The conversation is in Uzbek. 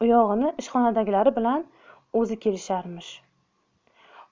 u yog'ini ishxonadagilari bilan o'zi kelisharmish